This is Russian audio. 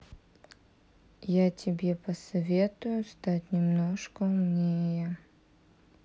я тебе посоветую стать немножко умнее